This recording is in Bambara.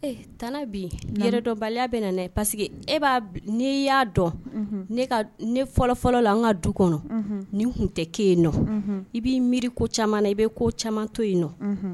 Tan bidɔnbaliya bɛ na pa e b'a n y'a dɔn ne fɔlɔ fɔlɔ la n ka du kɔnɔ ni tun tɛ ke yen nɔ i b'i miiri ko na i bɛ ko caman to yen nɔ